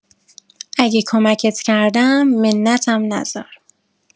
اگه کمکت کردم منتم نذار